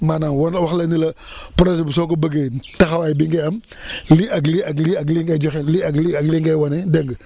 maanaam woo la wax la ni la ni la projet bi soo ko bëggee taxawaay bii ngay am lii ak lii ak lii ak lii ngay joxe lii ak lii ak lii ngay wane dégg nga